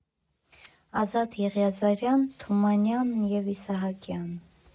Ազատ Եղիազարյան «Թումանյան և Իսահակյան.